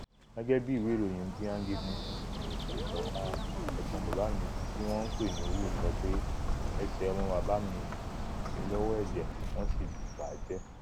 Gẹ́gẹ́ bí ìwé ìròyìn Guiyang Evening News ṣe sọ, ọmọ ẹ̀gbọ́n bàbá mi tí wọ́n ń pè ní "Wu" sọ pé: "Ẹsẹ̀ ọmọ ẹ̀gbọ́n bàbá mi lọ́wọ́ ẹ̀jẹ̀, wọ́n sì ti bà jẹ́.